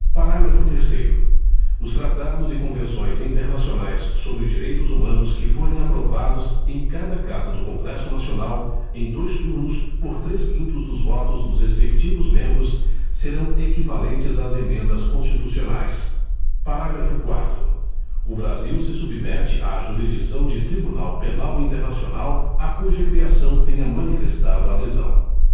parágrafo terceiro os tratados e convenções internacionais sobre direitos humanos que forem aprovados em cada casa do congresso nacional em dois turnos por três quintos dos votos dos respectivos membros serão equivalentes às emendas constitucionais parágrafo quarto o brasil se submete à jurisdição de tribunal penal internacional a cuja criação tenha manifestado adesão